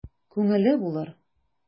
Күңеле булыр...